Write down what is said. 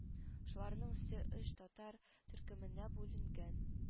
Шуларның се өч татар төркеменә бүленгән